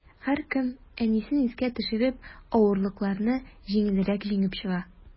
Һәркем, әнисен искә төшереп, авырлыкларны җиңелрәк җиңеп чыга.